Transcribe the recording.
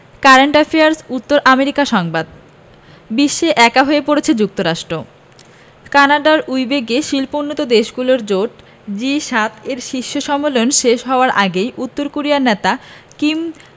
current affairs উত্তর America সংবাদ বিশ্বে একা হয়ে পড়ছে যুক্তরাষ্ট্র কানাডার কুইবেকে শিল্পোন্নত দেশগুলোর জোট জি ৭ এর শীর্ষ সম্মেলন শেষ হওয়ার আগেই উত্তর কোরিয়ার নেতা কিম